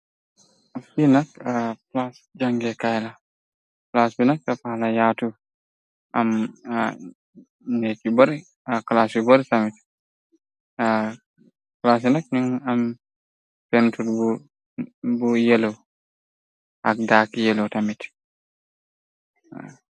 Binak plaas jànge kayla plas bi nak dafaxla yaatu am net yu bar claas yu bar sumitxlas yu nak ñu am ferntur bu yëlo ak dàkk yëlo tamit.